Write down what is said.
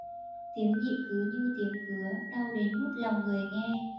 tiếng nhị cứ như tiếng cứa đau đến buốt lòng người nghe